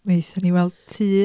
Aethon ni weld tŷ.